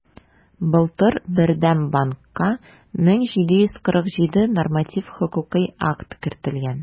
Былтыр Бердәм банкка 1747 норматив хокукый акт кертелгән.